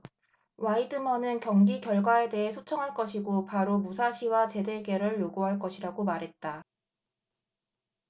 와이드먼은 경기 결과에 대해 소청할 것이고 바로 무사시와 재대결을 요구할 것이라고 말했다